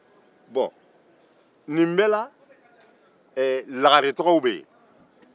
nin bɛɛ la lagaretɔgɔw bɛ yen